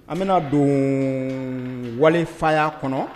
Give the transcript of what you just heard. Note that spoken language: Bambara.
An bɛna na don walifa yyaa kɔnɔ